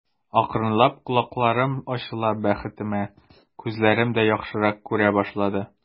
Акрынлап колакларым ачыла, бәхетемә, күзләрем дә яхшырак күрә башлады.